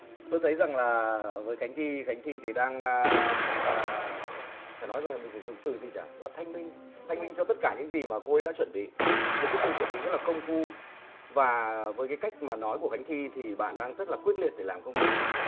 tôi thấy rằng là với khánh thi khánh thi thì đang a phải nói là mình dùng từ gì nhở là thanh minh thanh minh cho tất cả những gì mà cô ấy đã chuẩn bị một cái sự chuẩn bị rất công phu và với cái cách mà nói của khánh thi thì bạn đang rất quyết liệt để làm công việc này